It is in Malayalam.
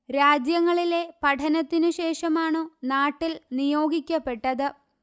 രാജ്യങ്ങളിലെ പഠനത്തിനു ശേഷമാണു നാട്ടിൽ നിയോഗിക്കപ്പെട്ടത്